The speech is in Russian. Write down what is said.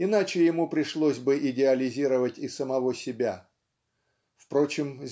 иначе ему пришлось бы идеализировать и самого себя. Впрочем